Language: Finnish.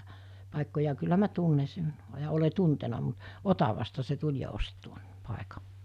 - paikkoja kyllä minä tunne sen ja olen tuntenut mutta Otavasta se tuli ja osti tuon paikan